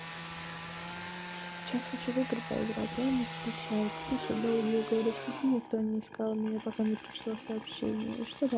сейчас хочу в игры поиграть а он мне не включает пишет долгие годы в сети никто не искал меня пока не пришло сообщение и что дальше делать